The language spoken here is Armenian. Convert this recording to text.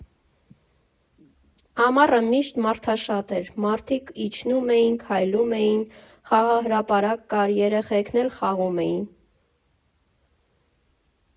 Ամառը միշտ մարդաշատ էր, մարդիկ իջնում էին, քայլում էին, խաղահրապարակ կար, երեխեքն էլ խաղում էին։